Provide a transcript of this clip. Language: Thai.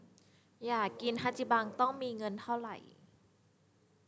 อยากกินฮาจิบังต้องมีเงินเท่าไร